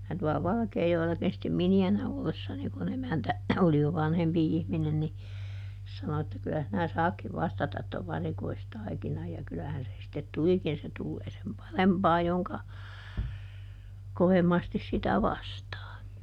minä tuolla Valkeajoellakin sitten miniänä ollessani kun emäntä oli jo vanhempi ihminen niin sanoi että kyllä sinä saatkin vastata tuon varikoistaikinan ja kyllähän se sitten tulikin se tulee sen parempaa jonka kovemmasti sitä vastaa